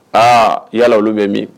Aa i yala olu bɛ min